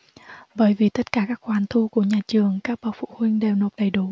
bởi vì tất cả các khoản thu của nhà trường các bậc phụ huynh đều nộp đầy đủ